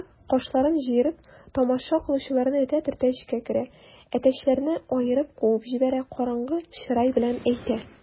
Макар, кашларын җыерып, тамаша кылучыларны этә-төртә эчкә керә, әтәчләрне аерып куып җибәрә, караңгы чырай белән әйтә: